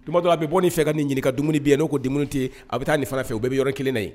Tuma dɔ la, a bɛ bɔ nin fɛ ka nin ɲininka:dumuni bɛ yen? n'o ko dumuni tɛ yen. a bɛ taa nin fana fɛ, u bɛɛ bɛ yɔrɔ 1 la yen